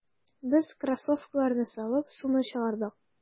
Без кроссовкаларны салып, суны чыгардык.